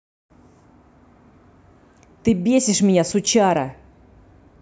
ты бесишь меня сучара